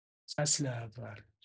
فصل اول